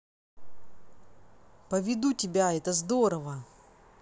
поведу тебя это здорово